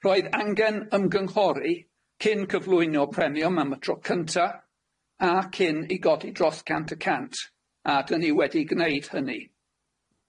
Roedd angen ymgynghori cyn cyflwyno premiwm am y tro cynta a cyn ei godi dros cant y cant, a dan ni wedi gwneud hynny.